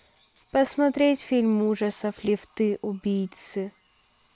посмотреть фильм ужасов лифты убийцы